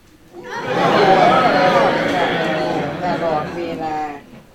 ปวดข้อกระดูกตลอดเวลา